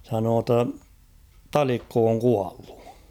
sanoi että on Talikko on kuollut